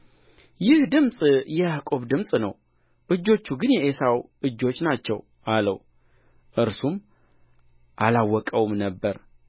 ይህ ድምፅ የያዕቆብም ድምፅ ነው እጆች ግን የዔሳው እጆች ናቸው አለው እርሱም አላወቀውም ነበር